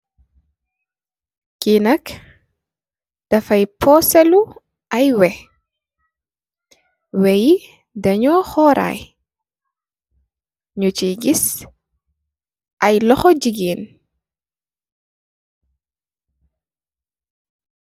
Kii nak dafay poosilu ay wéh,.Wéh yi xóraay. Ñu city gis, loxom jigéen.